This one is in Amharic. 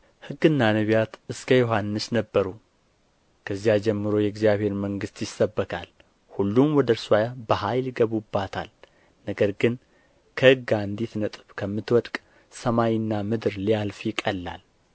ሕግና ነቢያት እስከ ዮሐንስ ነበሩ ከዚያ ጀምሮ የእግዚአብሔር መንግሥት ይሰበካል ሁሉም ወደ እርስዋ በኃይል ይገቡባታል ነገር ግን ከሕግ አንዲት ነጥብ ከምትወድቅ ሰማይና ምድር ሊያልፍ ይቀላል